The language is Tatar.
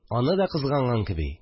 Аны да кызганган кеби